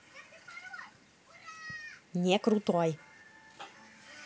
не крутой